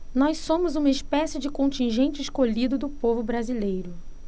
nós somos uma espécie de contingente escolhido do povo brasileiro